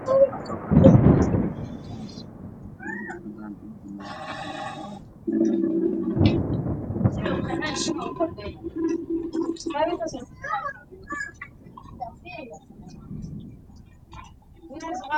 Waa meel kabo lagu iibiyo